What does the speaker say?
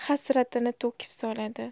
hasratini to'kib soladi